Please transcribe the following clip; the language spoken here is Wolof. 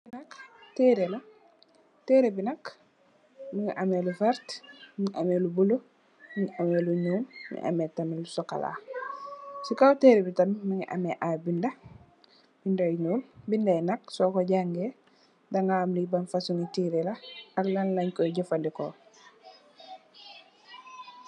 Li nak tereeh la, teereh bi nak, mungi ameh lu vert, mungi ameh lu bulo, mungi ameh lu ñuul, mungi ameh tamit lu sokola. Ci kaw tereeh bi tamit mungi ameh ay binda. Binda yu ñuul, binda yi nak soko jàngay daga ham li ban fasungi teereh ak lan leen koy jafadeko.